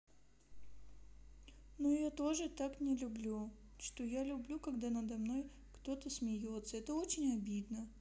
ну я тоже так не люблю что я люблю когда надо мной кто то смеется это очень обидно